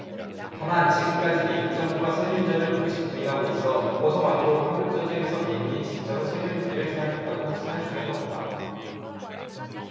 다만 지금까지 미국 정부가 세균전을 공식 부인하고 있어 보고서만으로 한국전쟁에서 미군이 진짜로 세균무기를 사용했다고 확신할 수는 없다